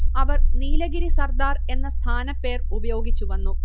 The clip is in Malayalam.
അവർ നീലഗിരി സർദാർ എന്ന സ്ഥാനപ്പേർ ഉപയോഗിച്ചു വന്നു